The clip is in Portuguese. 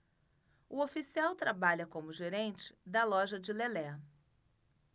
o oficial trabalha como gerente da loja de lelé